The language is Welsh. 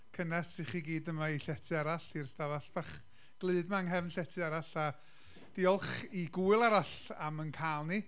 Cynnes i chi i gyd yma i llety arall, i'r ystafell bach glud yma yng nghefn Llety Arall, a diolch i Gŵyl Arall am ein cael ni.